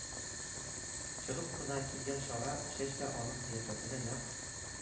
Чыгып кына килгән кара чәч тә аның кыяфәтенә нәкъ